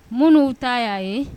Munnu ta y'a ye